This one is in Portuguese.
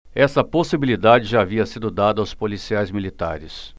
essa possibilidade já havia sido dada aos policiais militares